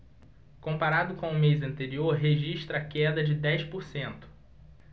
comparado com o mês anterior registra queda de dez por cento